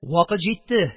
Вакыт җитте,